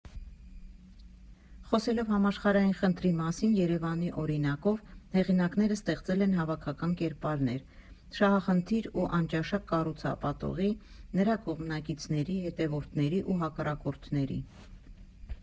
Խոսելով համաշխարհային խնդրի մասին Երևանի օրինակով՝ հեղինակները ստեղծել են հավաքական կերպարներ՝ շահախնդիր ու անճաշակ կառուցապատողի, նրա կողմնակիցների, հետևորդների ու հակառակորդների։